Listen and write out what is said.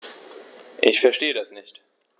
Ich verstehe das nicht.